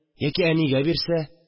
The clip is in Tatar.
Яки әнигә бирсә!